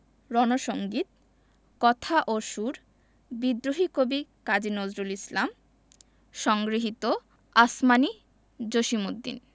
রণ সঙ্গীত কথা ও সুর বিদ্রোহী কবি কাজী নজরুল ইসলাম আসমানী জসিমউদ্দিন